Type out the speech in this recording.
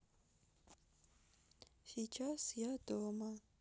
сейчас я дома